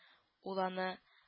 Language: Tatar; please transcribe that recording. Ул аны